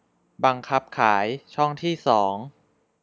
บังคับขายช่องที่สอง